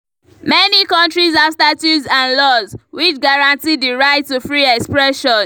Many countries have statutes and laws which guarantee the right to free expression.